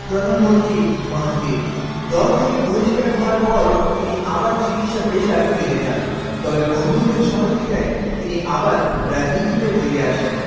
প্রধানমন্ত্রী মাহাথির দল থেকে বহিষ্কার হওয়ার পর তিনি আবার চিকিৎসা পেশায় ফিরে যান তবে বন্ধুদের সহযোগিতায় তিনি আবার রাজনীতিতে ফিরে আসেন